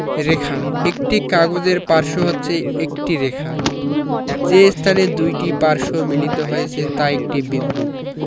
রেখাঃ একটি কাগজের পার্শ্ব হচ্ছে একটি রেখা যে স্থানে দুইটি পার্শ্ব মিলিত হয়েছে তা একটি বিন্দু